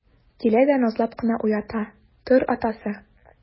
Килә дә назлап кына уята: - Тор, атасы!